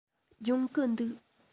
སྦྱོང གི འདུག